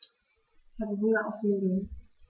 Ich habe Hunger auf Nudeln.